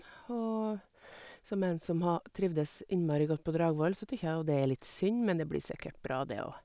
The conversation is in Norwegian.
Og som en som har trivdes innmari godt på Dragvoll så tykkje jeg jo det er litt synd, men det blir sikker bra det òg.